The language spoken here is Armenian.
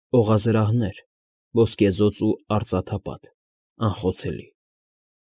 Օղազրահներ՝ ոսկեզոծ ու արծաթապատ, անխոցելի։